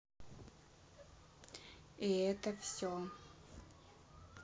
и это все